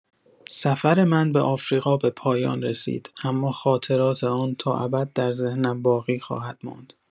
سفر من به آفریقا به پایان رسید، اما خاطرات آن تا ابد در ذهنم باقی خواهد ماند.